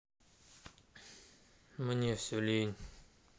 мне все лень